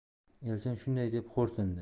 elchin shunday deb xo'rsindi